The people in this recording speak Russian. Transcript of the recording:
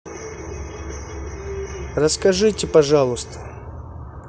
расскажите пожалуйста